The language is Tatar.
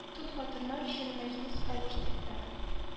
Тол хатыннар өчен мәҗлес авыр спектакль